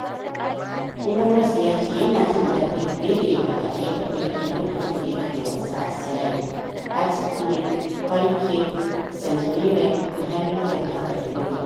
Kuma Ross ya ce yana jin dadi fiye da yadda ya taba yi a lokacin da yake wasa a Clyde, Hartlepool, Falkirk, St Mirren da Hamilton Academical.